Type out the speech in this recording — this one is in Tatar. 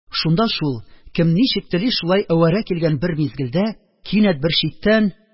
Шунда шул, кем ничек тели – шулай әвәрә килгән бер мизгелдә, кинәт бер читтән